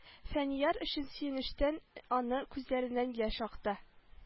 Фәнияр өчен сөенечтән аның күзләреннән яшь акты